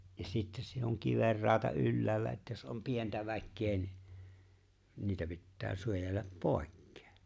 ja sitten se on kivenrauta ylhäällä että jos on pientä väkeä niin niitä pitää suojella pois